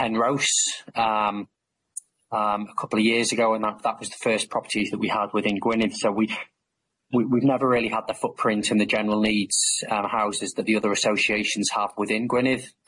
Penrose yym yym a couple of years ago and that that was the first properties that we had within Gwynedd so we we we've never really had the footprint and the general needs and houses that the other associations have within Gwynedd,